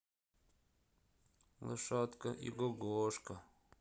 лошадка игогошка